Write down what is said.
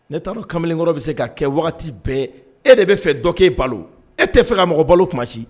Ne taara kamalenkɔrɔ bɛ se ka kɛ bɛɛ e de bɛ fɛ dɔkɛ balo e tɛ fɛ ka mɔgɔ balo kumasi